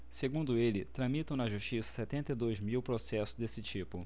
segundo ele tramitam na justiça setenta e dois mil processos desse tipo